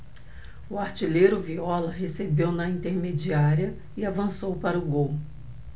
o artilheiro viola recebeu na intermediária e avançou para o gol